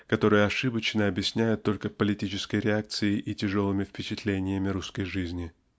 которую ошибочно объяснять только политической реакцией и тяжелыми впечатлениями русской жизни.